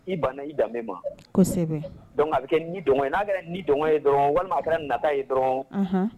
I banna i danbe ma a bɛ kɛ ni dɔn ye n'a kɛra ni dɔn ye dɔrɔn walima a kɛra nata ye dɔrɔn